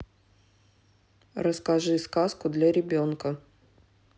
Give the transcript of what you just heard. расскажи сказку для ребенка